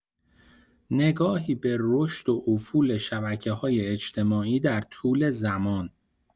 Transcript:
نگاهی به رشد و افول شبکه‌های اجتماعی در طول زمان.